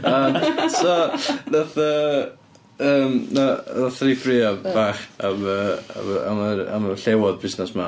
Yym, so wnaeth, yy yym, na- wnaethon ni ffraeo bach am y am y am yr am y llewod busnes 'ma.